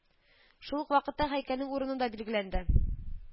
Шул ук вакытта һәйкәлнең урыны да билгеләнде